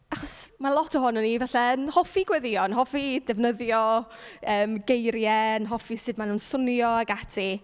Achos mae lot ohonyn ni falle yn hoffi gweddïo, yn hoffi defnyddio geiriau, yn hoffi sut maen nhw'n swnio ac ati.